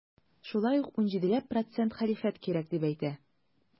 Шулай ук 17 ләп процент хәлифәт кирәк дип әйтә.